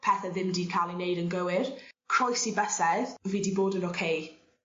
pethe ddim 'di ca'l 'i neud yn gywir croesi bysedd fi 'di bod yn oce